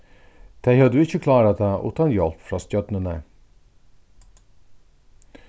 tey høvdu ikki klárað tað uttan hjálp frá stjórnini